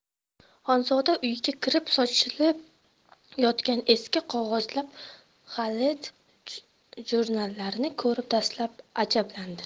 xonzoda uyga kirib sochilib yotgan eski qog'ozlar gazit jo'rnallarni ko'rib dastlab ajablandi